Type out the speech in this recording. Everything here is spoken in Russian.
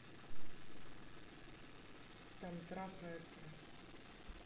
там трахается